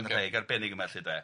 anrheg arbennig yma lly de.